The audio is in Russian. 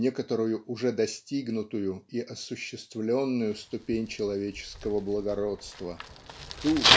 некоторую уже достигнутую и осуществленную ступень человеческого благородства ту